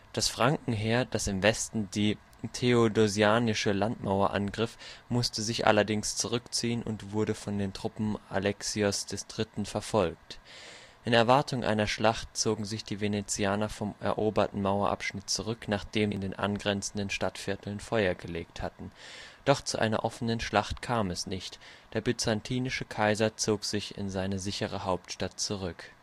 Das Frankenheer, das im Westen die Theodosianische Landmauer angriff, musste sich allerdings zurückziehen und wurde von den Truppen Alexios ' III. verfolgt. In Erwartung einer Schlacht zogen sich die Venezianer vom eroberten Mauerabschnitt zurück, nachdem sie in den angrenzenden Stadtvierteln Feuer gelegt hatten. Doch zu einer offenen Schlacht kam es nicht, der byzantinische Kaiser zog sich in seine sichere Hauptstadt zurück